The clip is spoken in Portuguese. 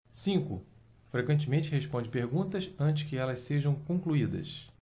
cinco frequentemente responde perguntas antes que elas sejam concluídas